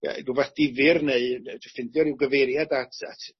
yy rwbath difyr neu dy- js ffindio ryw gyfeiriad at at